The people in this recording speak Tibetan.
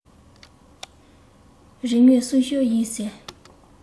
རིག དངོས སྲུང སྐྱོབ ཡིན ཟེར